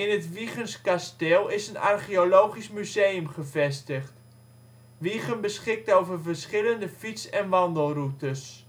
het Wijchens kasteel is een archeologisch museum gevestigd. Wijchen beschikt over verschillende fiets - en wandelroutes